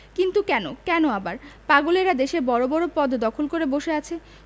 কিন্তু কেন কেন আবার পাগলেরা দেশের বড় বড় পদ দখল করে বসে আছে